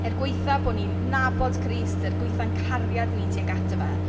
Er gwaetha bo ni'n nabod Crist, er gwaetha'n cariad ni tuag ato fe.